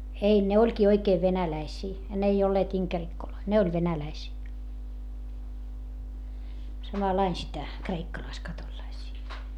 ei ne olikin oikein venäläisiä ne ei olleet inkerikkoja ne oli venäläisiä samalla lailla sitä kreikkalaiskatolilaisia